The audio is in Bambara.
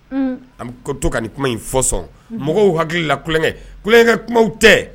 An bɛ ko to ka ni kuma in fɔ sɔn mɔgɔw hakilila kukɛ kukɛ kuma tɛ